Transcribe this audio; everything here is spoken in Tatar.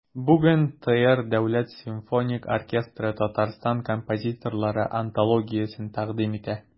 Бүген ТР Дәүләт симфоник оркестры Татарстан композиторлары антологиясен тәкъдим итә.